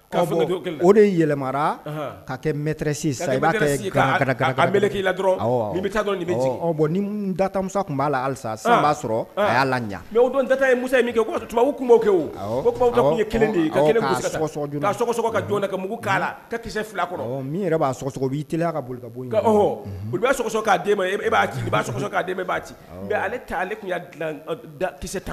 Yɛlɛ k la dɔrɔn dasa tun b'a lasa san b'a sɔrɔ a y'a la ɲɛ mɛ o muso ye kɛ tubabu tun' kɛ o ko kelen de ka kelenso ka jɔn ka mugu k'a la ka kisɛ fila kɔrɔ min yɛrɛ b'a i ka bolo bɔsɔ'a ma e b'a b'a ci mɛ ale ta ale tun dila ki ta